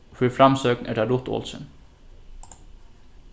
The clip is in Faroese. og fyri framsókn er tað ruth olsen